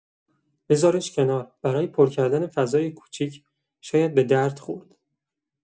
بذارش کنار، برای پر کردن فضای کوچیک شاید به درد خورد.